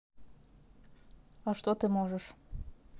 а что ты можешь